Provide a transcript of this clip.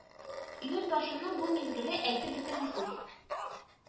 Июль башының бу мизгеле әйтеп бетергесез